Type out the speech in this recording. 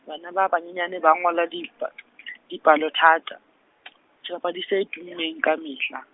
bana ba ba nyenyane ba ngola dipa-, dipalothata , sebapadi se tummeng kamehla.